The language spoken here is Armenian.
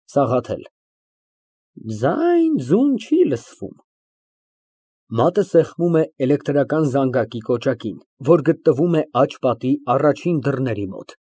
ՍԱՂԱԹԵԼ ֊ Ձայն֊ձուն չի լսվում։ (Մատը սեղմում է էլեկտրական զանգակի կոհակին՝ որ գտնվում է աջ պատի առաջին դռների մոտ։